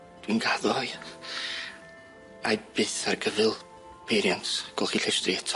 Dwi'n gaddo i ai, byth ar gyfyl peiriant golchi llestri eto.